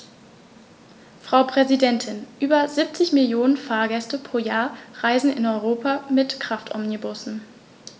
Frau Präsidentin, über 70 Millionen Fahrgäste pro Jahr reisen in Europa mit Kraftomnibussen.